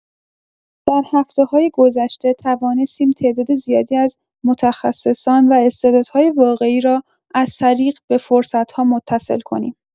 در هفته‌های گذشته، توانستیم تعداد زیادی از متخصصان و استعدادهای واقعی را از طریق به فرصت‌ها متصل کنیم.